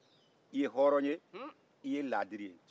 i ye hɔrɔn ye i ye ladiri ye